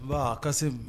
Ba a ka se